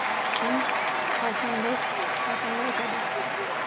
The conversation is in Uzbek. keyin kavshandoz yaqinidan o'tadi